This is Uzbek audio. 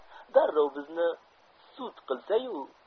darrov bizni sud qilsa yu